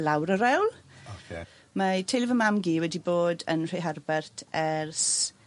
lawr y rhewl. Oce. Mae teulu fy mam-gu wedi bod yn Nhreherbert ers